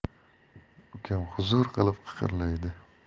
ukam huzur qilib qiqirlaydi